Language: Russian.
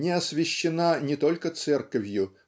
Не освящена не только церковью